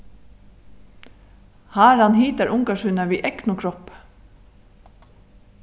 haran hitar ungar sínar við egnum kroppi